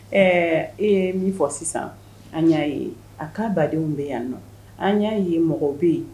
Ɛɛ e ye min fɔ sisan an y'a ye a cas badenw bɛ yan nɔ an y'a ye mɔgɔw bɛ yen